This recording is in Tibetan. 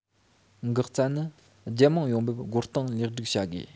འགག རྩ ནི རྒྱལ དམངས ཡོང འབབ བགོ སྟངས ལེགས སྒྲིག བྱ དགོས